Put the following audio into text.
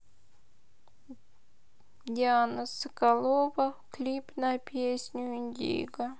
диана соколова клип на песню индиго